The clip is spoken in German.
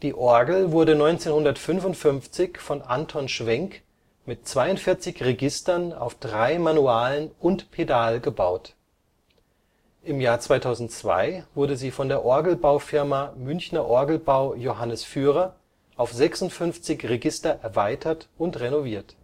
Orgel wurde 1955 von Anton Schwenk mit 42 Registern auf drei Manualen und Pedal gebaut. Im Jahr 2002 wurde sie von der Orgelbaufirma Münchner Orgelbau Johannes Führer auf 56 Register erweitert und renoviert